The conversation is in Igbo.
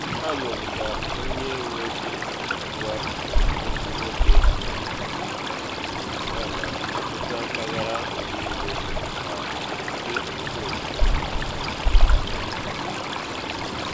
Anụrụ ka otu onye uwe ojii na agwa otu nwoke na a na ahụta mpaghara ahụ niile ka ogige omekome.